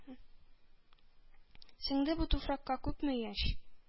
Сеңде бу туфракка күпме яшь,